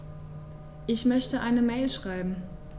Ich möchte eine Mail schreiben.